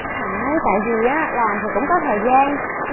phải tại vì á làm thì cũng có thời gian nó